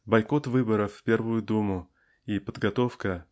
бойкот выборов в первую думу и подготовка